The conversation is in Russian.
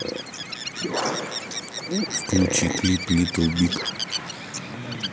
включи клип литл биг